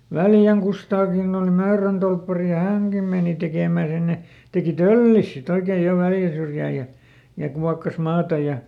Väljän Kustaakin oli Möörön torppari ja hänkin meni tekemään sinne teki töllinsä sitten oikein jo Väljän syrjään ja ja kuokkasi maata ja